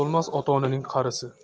bo'lmas ota onaning qarisi